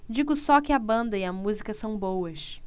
digo só que a banda e a música são boas